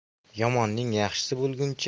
yomonning yaxshisi bo'lguncha